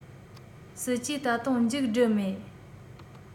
སྲིད ཇུས ད དུང མཇུག འགྲིལ མེད